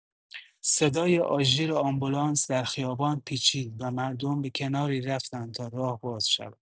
صدای آژیر آمبولانس در خیابان پیچید و مردم به کناری رفتند تا راه باز شود.